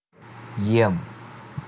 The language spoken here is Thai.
เยี่ยม